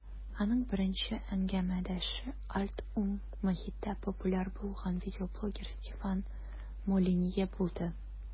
Аның беренче әңгәмәдәше "альт-уң" мохиттә популяр булган видеоблогер Стефан Молинье булды.